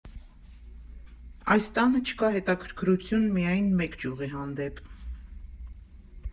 Այս տանը չկա հետաքրքրություն միայն մեկ ճյուղի հանդեպ։